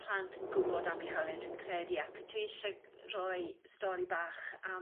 plant yn gwbod am eu hawlie dwi'n credu ac dwi eisia' roi stori bach am